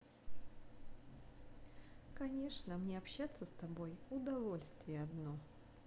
конечно мне общаться с тобой удовольствия одно